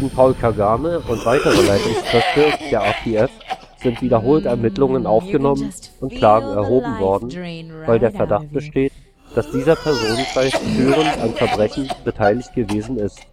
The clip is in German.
Paul Kagame und weitere Leitungskräfte der RPF sind wiederholt Ermittlungen aufgenommen und Klagen erhoben worden, weil der Verdacht besteht, dass dieser Personenkreis führend an Verbrechen beteiligt gewesen ist